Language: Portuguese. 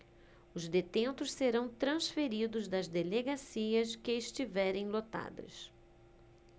os detentos serão transferidos das delegacias que estiverem lotadas